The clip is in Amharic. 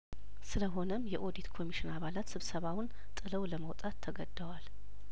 ስለሆነም የኦዲት ኮሚሽን አባላት ስብሰባውን ጥለው ለመውጣት ተገ ደዋል